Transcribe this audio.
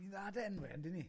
Ni'n dda 'dy enwe yndyn ni?